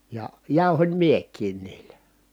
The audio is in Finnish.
ja jauhoin minäkin niillä